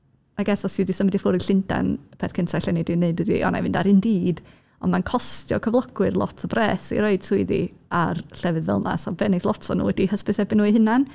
I guess os ti 'di symud i ffwrdd i Llundain, y peth cynta ella nei di wneud ydy "O, wnai fynd ar Indeed." Ond mae'n costio cyflogwyr lot o bres i rhoid swyddi ar llefydd fel 'na, so be wneith lot o nhw ydy hysbysebu nhw eu hunain.